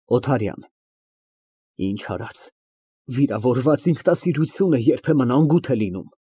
ՕԹԱՐՅԱՆ ֊ Ի՞նչ արած, վիրավորված ինքնասիրությունն երբեմն անգութ է լինում։